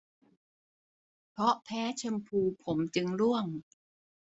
เพราะแพ้แชมพูผมจึงร่วง